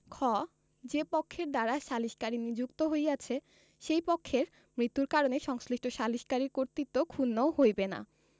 খ যে পক্ষের দ্বারা সালিসকারী নিযুক্ত হইয়াছে সেই পক্ষের মুত্যুর কারণে সংশ্লিষ্ট সালিসকারীর কর্তৃত্ব ক্ষুন্ন হইবে না